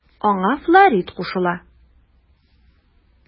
Аңа Флорид кушыла.